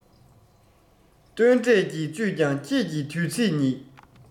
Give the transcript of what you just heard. སྟོན འབྲས ཀྱི བཅུད ཀྱང ཁྱེད ཀྱི དུས ཚིགས ཉིད